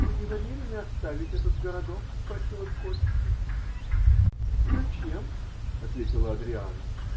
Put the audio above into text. -- Вы не намерены оставить этот городок? -- спросила гостья. -- Зачем? -- ответила Адриана.